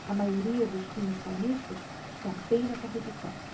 a maioria dos times paulistas está bem na competição